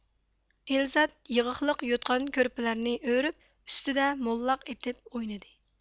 ئېلزاد يىغىقلىق يوتقان كۆرپىلەرنى ئۆرۈپ ئۈستىدە موللاق ئېتىپ ئوينىدى